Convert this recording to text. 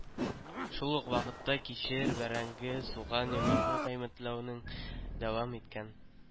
Шул ук вакытта кишер, бәрәңге, суган, йомырка кыйммәтләнүен дәвам иткән.